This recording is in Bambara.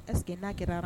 Parceseke n'a kɛra